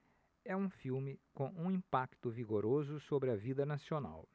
é um filme com um impacto vigoroso sobre a vida nacional